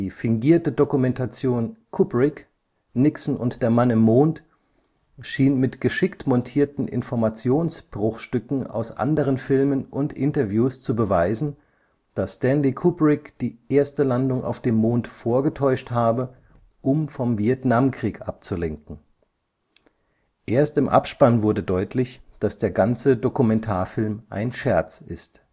fingierte Dokumentation Kubrick, Nixon und der Mann im Mond schien mit geschickt montierten Informationsbruchstücken aus anderen Filmen und Interviews zu beweisen, dass Stanley Kubrick die erste Landung auf dem Mond vorgetäuscht habe, um vom Vietnamkrieg abzulenken. Erst im Abspann wurde deutlich, dass der ganze Dokumentarfilm ein Scherz ist